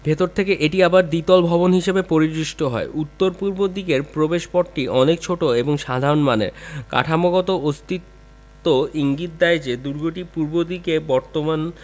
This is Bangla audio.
ভেতর থেকে এটি আবার দ্বিতল ভবন হিসেবে পরিদৃষ্ট হয় উত্তর পূর্ব দিকের প্রবেশপথটি অনেক ছোট এবং সাধারণ মানের কাঠামোগত অস্তিত্ব ইঙ্গিত দেয় যে দুর্গটি পূর্ব দিকে বর্তমান